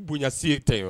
Bonyase ye ta ye